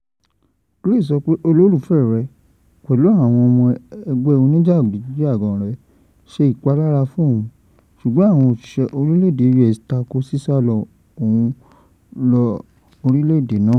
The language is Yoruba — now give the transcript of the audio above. Grace sọ pé olólùfẹ́ rẹ pẹ̀lú àwọn ọmọ ẹgbẹ́ oníjàgídíjàgan rẹ̀ ṣe ìpalára fún òun ṣùgbọ́n àwọn òṣìṣẹ́ orílẹ̀èdè US tako sísálọ òun lọ orílẹ̀èdè náà.